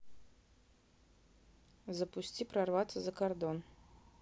запусти прорваться за кордон